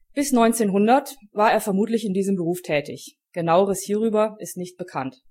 Bis 1900 war er vermutlich in diesem Beruf tätig, genaueres hierüber ist nicht bekannt